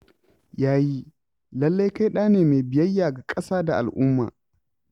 Ya yi, lallai kai ɗa ne mai biyayya ga ƙasa da al'umma.